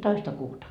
toista kuuta